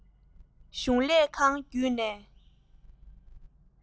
གཞུང ལས ཁང བརྒྱུད ནས